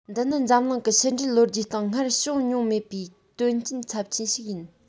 འདི ནི འཛམ གླིང གི ཕྱི འབྲེལ ལོ རྒྱུས སྟེང སྔར བྱུང མྱོང མེད པའི དོན རྐྱེན ཚབས ཆེན ཞིག ཡིན